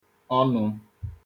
ọnụ̄